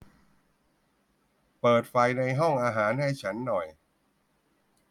เปิดไฟในห้องอาหารให้ฉันหน่อย